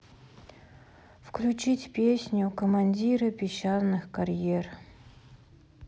включить песню командиры песчаных карьеров